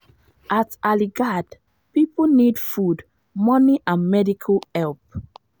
@AlyaaGad People need food, money and medical help!